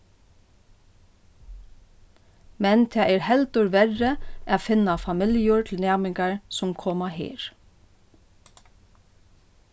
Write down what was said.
men tað er heldur verri at finna familjur til næmingar sum koma her